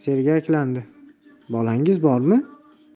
sergaklandi bolangiz bormi